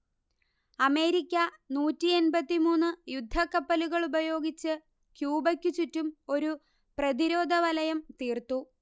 America നൂറ്റിയെൺപത്തി മൂന്ന് യുദ്ധക്കപ്പലുകളുപയോഗിച്ച് ക്യൂബക്കു ചുറ്റും ഒരു പ്രതിരോധവലയം തീർത്തു